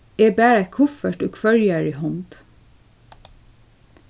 eg bar eitt kuffert í hvørjari hond